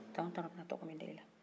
k'anw t'a don anw bɛna tɔgɔ min d'e la